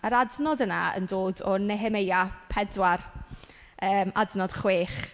A'r adnod yna yn dod o Nehemeia pedwar yym adnod chwech.